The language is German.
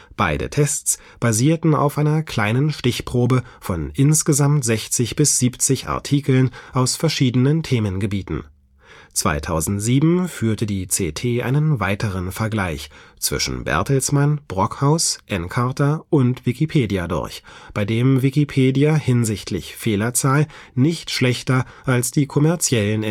Beide Tests basierten auf einer kleinen Stichprobe von insgesamt 60 bis 70 Artikeln aus verschiedenen Themengebieten. 2007 führte die c’ t einen weiteren Vergleich zwischen Bertelsmann, Brockhaus, Encarta und Wikipedia durch, bei dem Wikipedia hinsichtlich Fehlerzahl nicht schlechter als die kommerziellen